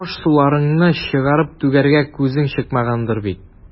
Аш-суларыңны чыгарып түгәргә күзең чыкмагандыр бит.